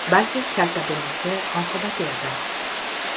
balki kaltabinligi oqibati edi